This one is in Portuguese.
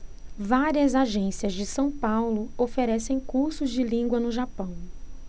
várias agências de são paulo oferecem cursos de língua no japão